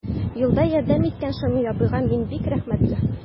Юлда ярдәм иткән Шамил абыйга мин бик рәхмәтле.